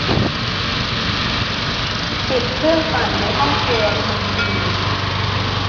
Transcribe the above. ปิดเครื่องปั่นในห้องครัวทันที